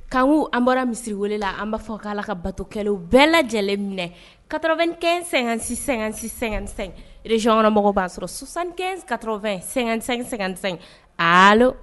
Kankun an bɔra misi wele la , an ba fɔ ko ala ka bato kɛlenw bɛɛ lajɛlen minɛ ka 95 56 56 55, Région kɔnɔ mɔgɔw ban sɔrɔ 75 80 55 50. Allo